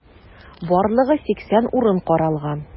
Барлыгы 80 урын каралган.